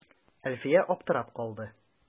Әлфия аптырап калды.